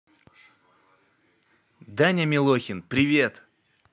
даня милохин привет